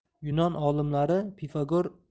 yunon olimlari pifagor arastu